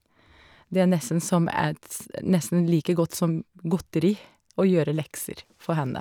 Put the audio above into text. Det er nesten som et nesten like godt som godteri, å gjøre lekser, for henne.